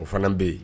O fana bɛ yen